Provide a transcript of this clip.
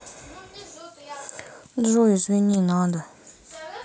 джой извини надо